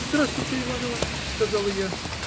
- Здравствуйте, Иван Иваныч, - сказала я.